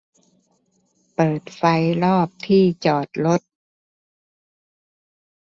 เปิดไฟรอบที่จอดรถ